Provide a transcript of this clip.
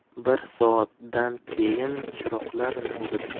bir soatdan keyin chiroqlar nurida